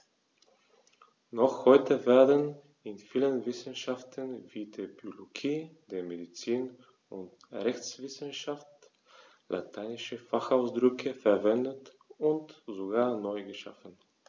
Noch heute werden in vielen Wissenschaften wie der Biologie, der Medizin und der Rechtswissenschaft lateinische Fachausdrücke verwendet und sogar neu geschaffen.